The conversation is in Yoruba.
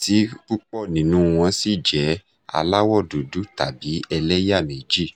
tí púpọ̀ nínú wọn sì jẹ́ aláwọ̀ dúdú tàbí elẹ́yà-méjì.